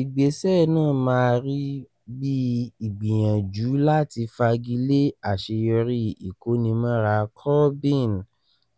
Ìgbéṣẹ́ náa máa rí bíi ìgbìyànjú láti fagilé àṣeyọrí ìkónimọ́ra Corbyn